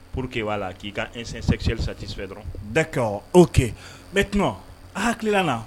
Pur que'a la k'i ka n sen sɛsɛ sati sɛ dɔrɔn da o kɛ bɛɛ kuma a hakilila na